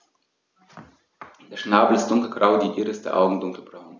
Der Schnabel ist dunkelgrau, die Iris der Augen dunkelbraun.